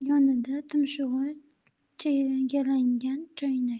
yonida tumshug'i chegalangan choynak